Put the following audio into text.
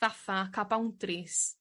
fatha ca'l boundaries